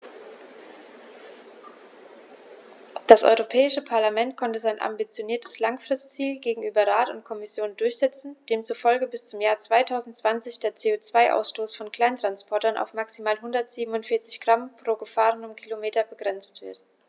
Das Europäische Parlament konnte sein ambitioniertes Langfristziel gegenüber Rat und Kommission durchsetzen, demzufolge bis zum Jahr 2020 der CO2-Ausstoß von Kleinsttransportern auf maximal 147 Gramm pro gefahrenem Kilometer begrenzt wird.